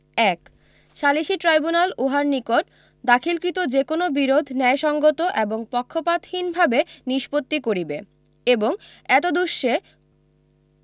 ১ সালিসী ট্রাইব্যুনাল উহার নিকট দাখিলকৃত যে কোন বিরোধ ন্যায়সংগত এবং পক্ষপাতহীনভাবে নিষ্পত্তি করিবে এবং এতদুশ্যে